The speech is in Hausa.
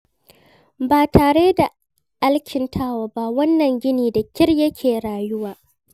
Ba tare da alkintawa ba, wannan gini da ƙyar yake rayuwa.